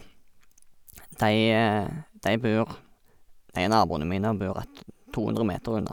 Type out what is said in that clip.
de de bor De er naboene mine og bor rett to hundre meter unna.